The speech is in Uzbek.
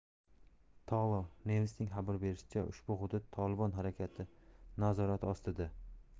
tolo news'ning xabar berishicha ushbu hudud tolibon harakati nazorati ostida